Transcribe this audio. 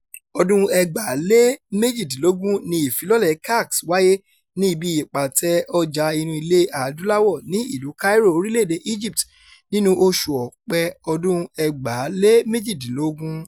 Ọdún-un 2018 ni ìfilọ́lẹ̀ CAX wáyé ní ibi Ìpàtẹ Ọjà Inú Ilẹ̀-Adúláwọ̀ ní ìlúu Cairo, orílẹ̀-èdèe Egypt, nínú oṣù Ọ̀pẹ̀ ọdún-un 2018.